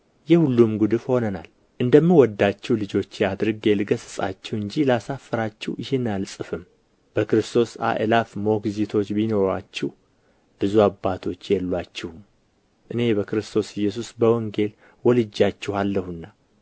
የሁሉም ጉድፍ ሆነናል እንደምወዳችሁ ልጆቼ አድርጌ ልገሥጻችሁ እንጂ ላሳፍራችሁ ይህን አልጽፍም በክርስቶስ አእላፍ ሞግዚቶች ቢኖሩአችሁ ብዙ አባቶች የሉአችሁም እኔ በክርስቶስ ኢየሱስ በወንጌል ወልጄአችኋለሁና